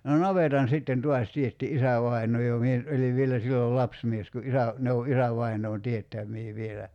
no navetan sitten taas teetti isävainaa jo minä nyt olin vielä silloin lapsimies kun isä ne on isävainaan teettämiä vielä